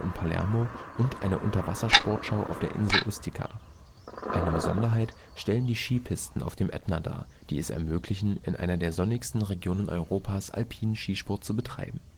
Palermo und eine Unterwassersportschau auf der Insel Ustica. Eine Besonderheit stellen die Skipisten auf dem Ätna dar, die es ermöglichen, in einer der sonnigsten Regionen Europas alpinen Skisport zu betreiben